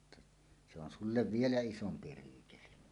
että se on sinulle vielä isompi ryykeli